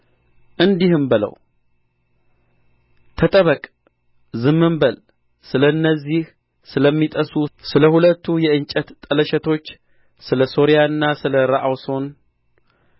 እንዲህም በለው ተጠበቅ ዝምም በል ስለ እነዚህ ስለሚጤሱ ስለ ሁለት የእንጨት ጠለሸቶች ስለ ሶርያና ስለ ረአሶን